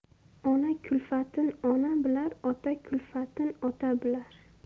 ona kulfatin ona bilar ota kulfatin ota bilar